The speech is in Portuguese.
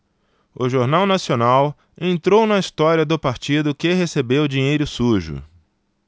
o jornal nacional entrou na história do partido que recebeu dinheiro sujo